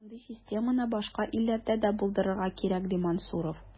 Мондый системаны башка илләрдә дә булдырырга кирәк, ди Мансуров.